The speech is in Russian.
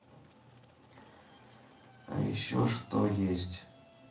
а еще что есть